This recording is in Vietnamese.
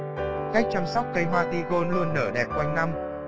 cách chăm sóc cây hoa tigon luôn nở đẹp quanh năm